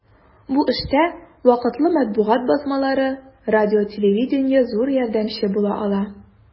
Бу эштә вакытлы матбугат басмалары, радио-телевидение зур ярдәмче була ала.